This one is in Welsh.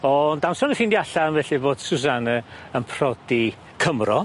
Ond amser ffindio allan felly bod Susana yn prodi Cymro.